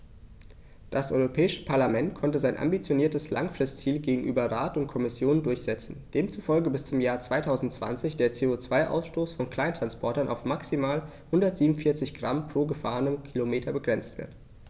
Das Europäische Parlament konnte sein ambitioniertes Langfristziel gegenüber Rat und Kommission durchsetzen, demzufolge bis zum Jahr 2020 der CO2-Ausstoß von Kleinsttransportern auf maximal 147 Gramm pro gefahrenem Kilometer begrenzt wird.